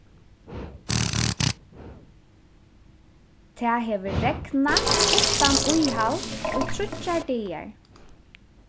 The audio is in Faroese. tað hevur regnað uttan íhald í tríggjar dagar